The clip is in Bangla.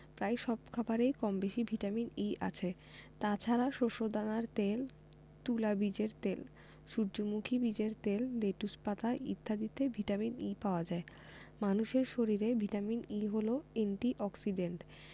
প্রায় সব খাবারেই কমবেশি ভিটামিন E আছে তাছাড়া শস্যদানার তেল তুলা বীজের তেল সূর্যমুখী বীজের তেল লেটুস পাতা ইত্যাদিতে ভিটামিন E পাওয়া যায় মানুষের শরীরে ভিটামিন E হলো এন্টি অক্সিডেন্ট